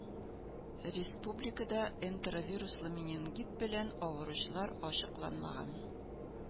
Республикада энтеровируслы менингит белән авыручылар ачыкланмаган.